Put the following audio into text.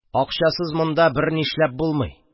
Акчасыз монда бернишләп булмый.